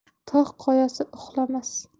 tog' qoyasi uxlamas